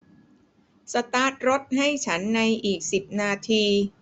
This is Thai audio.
สตาร์ทรถให้ฉันในอีกสิบนาที